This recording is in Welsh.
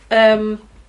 Yym.